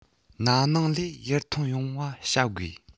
ན ནིང ལས ཡར ཐོན ཡོང བ བྱ དགོས